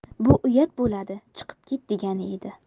bu uyat bo'ladi chiqib ket degani edi